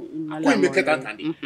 Ko in bɛ kɛ taa kan